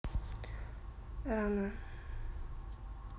рана